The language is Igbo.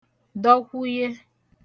dọkwụye